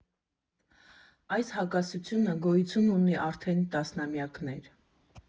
Այս հակասությունը գոյություն ունի արդեն տասնամյակներ։